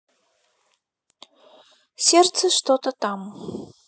сердце что то там